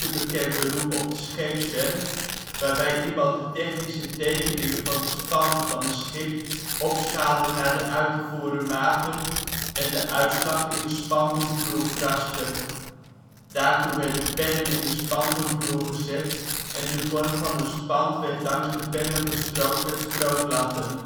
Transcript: bekend beroep op de scheepswerf, waarbij iemand de technische tekeningen van de spanten van een schip opschaalde naar de uit te voeren maten en de uitslag in de spantenvloer kraste. Daartoe werden pennen in de spantenvloer gezet en de vorm van een spant werd langs de pennen gestrookt met strooklatten